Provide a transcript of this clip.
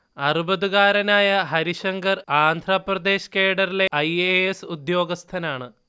അറുപതുകാരനായ Harishankar Andhra Pradesh കേഡറിലെ I. A. S ഉദ്യോഗസ്ഥനാണ്